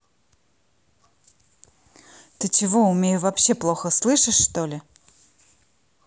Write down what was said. ты чего умею вообще плохо слышишь что ли